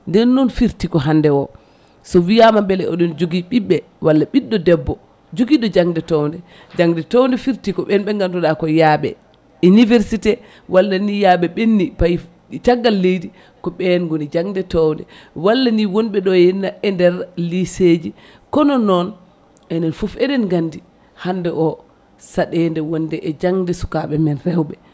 nden noon fiirti ko hande o so wiyama beele oɗon jogui ɓiɓɓe walla ɓiɗɗo debbo joguiɗo jangde towde jangde towde fiirti ko ɓen ɓe ganduɗa ko yaaɓe université walla ni yaaɓe ɓenni payi caggal leydi ko ɓen gooni jangde towde walla ni wonɓe ɗo henna e nder lycée ji kono noon enen foof eɗen gandi hande o saɗede wonde e jangde sukaɓe men rewɓe